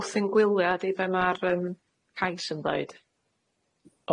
Wthyn gwylia 'di be' ma'r yym cais yn ddeud.